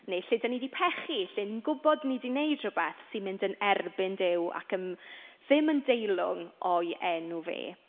Neu lle dan ni 'di pechu. Lle ni'n gwybod ni 'di gwneud rhywbeth sy'n mynd yn erbyn Duw ac yym ddim yn deilwng o'i enw fe.